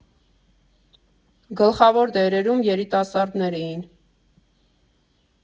Գլխավոր դերերում երիտասարդներ էին.